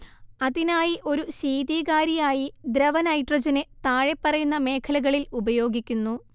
അതിനാൽ ഒരു ശീതീകാരിയായി ദ്രവനൈട്രജനെ താഴെപ്പറയുന്ന മേഖലകളിൽ ഉപയോഗിക്കുന്നു